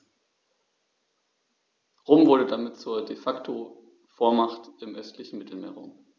Rom wurde damit zur ‚De-Facto-Vormacht‘ im östlichen Mittelmeerraum.